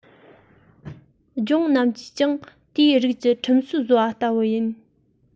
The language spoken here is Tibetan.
ལྗོངས རྣམས ཀྱིས ཀྱང དེའི རིགས ཀྱི ཁྲིམས སྲོལ བཟོས པ ལྟ བུ ཡིན